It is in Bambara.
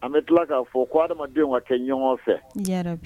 A bɛ tila k'a fɔ ko adamadamadenw ka kɛ ɲɔgɔn fɛ